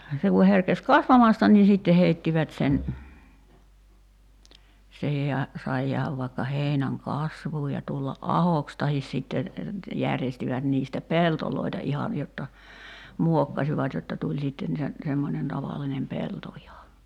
se kun herkesi kasvamasta niin sitten heittivät sen siihen ja sai jäädä vaikka heinän kasvuun ja tulla ahoksi tai sitten järjestivät niistä peltoja ihan jotta muokkasivat jotta tuli sitten sen semmoinen tavallinen pelto ihan